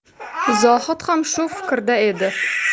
zohid ham shu fikrda edi